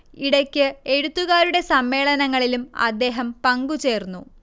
ഇടക്ക് എഴുത്തുകാരുടെ സമ്മേളനങ്ങളിലും അദ്ദേഹം പങ്കുചേർന്നു